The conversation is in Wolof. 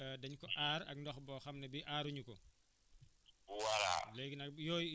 kon dafa am ndox boo xam ne bi dañ ko aar ak ndox boo xam ne bi aaruñu ko